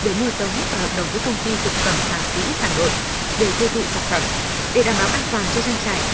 để mua giống và hợp đồng với công ty thực phẩm hà vĩ hà nội để tiêu thụ sản phẩm để đảm bảo an toàn cho trang trại